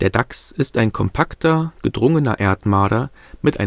Dachs ist ein kompakter, gedrungener Erdmarder mit